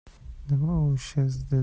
nima u shz